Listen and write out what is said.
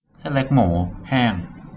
เส้นเล็กหมููแห้ง